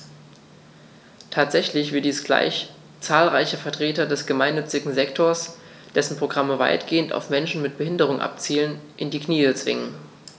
Tatsächlich wird dies gleich zahlreiche Vertreter des gemeinnützigen Sektors - dessen Programme weitgehend auf Menschen mit Behinderung abzielen - in die Knie zwingen.